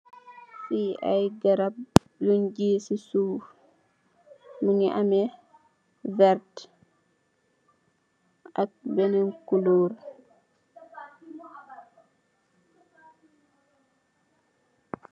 Fee aye garab yung jee se suff muge ameh werte ak benen coloor.